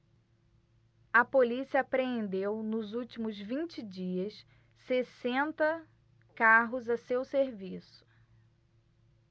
a polícia apreendeu nos últimos vinte dias sessenta carros a seu serviço